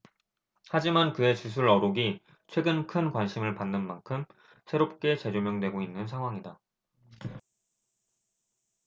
하지만 그의 주술 어록이 최근 큰 관심을 받는 만큼 새롭게 재조명되고 있는 상황이다